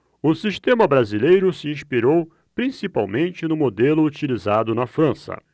o sistema brasileiro se inspirou principalmente no modelo utilizado na frança